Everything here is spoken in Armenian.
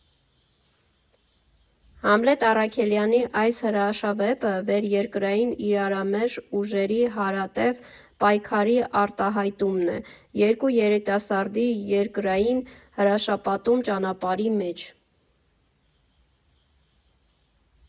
Համլետ Առաքելյանի այս հրաշավեպը վերերկրային իրարամերժ ուժերի հարատև պայքարի արտահայտումն է՝ երկու երիտասարդի երկրային հրաշապատում ճանապարհի մեջ։